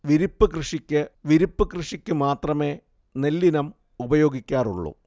വിരിപ്പ് കൃഷിക്ക് വിരിപ്പ് കൃഷിക്ക് മാത്രമേ നെല്ലിനം ഉപയോഗിക്കാറുള്ളൂ